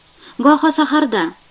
goho saharda